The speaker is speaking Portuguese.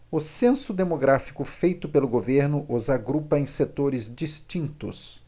o censo demográfico feito pelo governo os agrupa em setores distintos